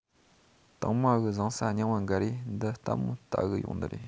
དང མ གི བཟང ས རྙིང བ འགའ རེ འདི ལྟད མོ ལྟ གི ཡོང ནི རེད